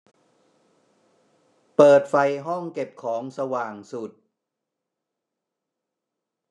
เปิดไฟห้องเก็บของสว่างสุด